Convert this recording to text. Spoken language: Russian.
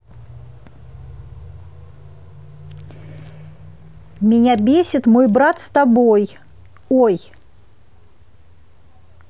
меня бесит мой брат с тобой ой